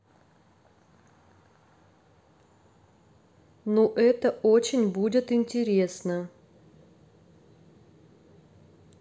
ну это очень будет интересно